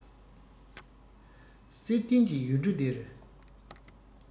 བསིལ ལྡན གྱི ཡུལ གྲུ འདིར